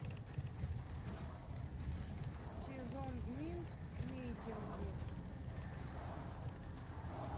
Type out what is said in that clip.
сезон минск митинги